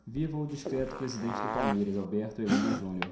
viva o discreto presidente do palmeiras alberto helena junior